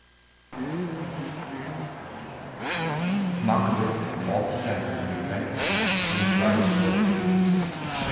- Smakløst og kjempevulgært, en flau spøk.